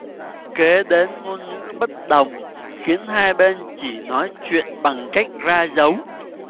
kế đến ngôn ngữ bất đồng khiến hai bên chỉ nói chuyện bằng cách ra dấu